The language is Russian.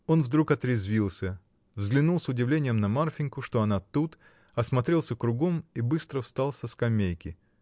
Он вдруг отрезвился, взглянул с удивлением на Марфиньку, что она тут, осмотрелся кругом и быстро встал со скамейки.